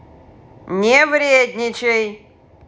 не вредничай